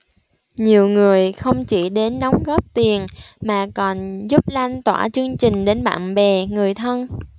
nhiều người không chỉ đến đóng góp tiền mà còn giúp lan tỏa chương trình đến bạn bè người thân